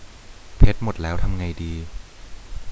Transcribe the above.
เพชรหมดแล้วทำไงดี